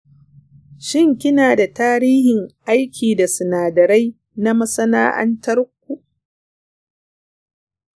shin kina da tarihin aiki da sinadarai na masana’antu?